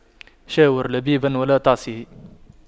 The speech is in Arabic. شاور لبيباً ولا تعصه